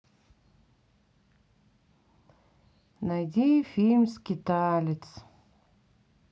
найди фильм скиталец